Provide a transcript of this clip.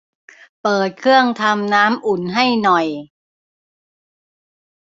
เปิดเครื่องทำน้ำอุ่นให้หน่อย